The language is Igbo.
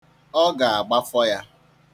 Ọ ga-agbafọ ya.